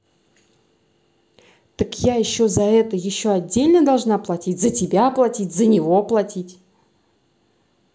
так я еще за это еще отдельно должна платить за тебя платить за него платить